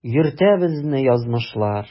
Йөртә безне язмышлар.